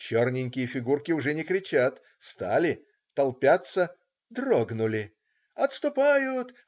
Черненькие фигурки уже не кричат. стали. толпятся. дрогнули. "Отступают!